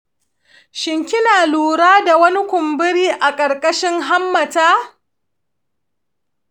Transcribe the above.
shin kina lura da wani kumburi a ƙarƙashin hammata?